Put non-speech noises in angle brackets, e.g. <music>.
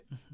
<hesitation> <hesitation>